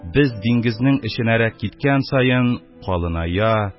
Без диңгезнең эченәрәк киткән саен, калыная,